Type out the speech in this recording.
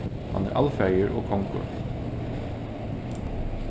hann er alfaðir og kongur